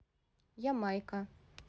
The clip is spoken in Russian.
ямайка